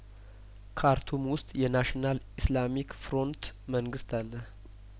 ካርቱም ውስጥ የናሽናል ኢስላሚክ ፍሮንት መንግስት አለ